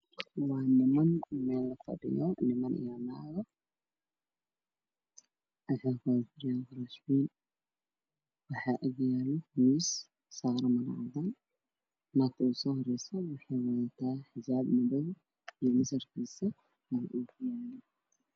Waa niman naago meel fadhiyaan miis caddee horyaalo saareysay waxay wada taaxjaab madow ninka u horreeya shaati cadaan shaatijaallo darbiga ka dambeeya waa qaxwi iyo caddaan